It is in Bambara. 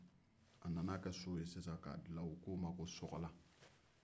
a nana kɛ so ye sisan u k'o ma ko sokala